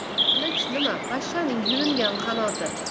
qilich nima pashshaning yulingan qanoti